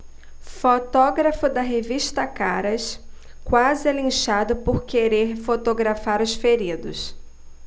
fotógrafo da revista caras quase é linchado por querer fotografar os feridos